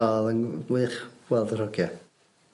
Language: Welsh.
O'dd yn wych weld yr ogia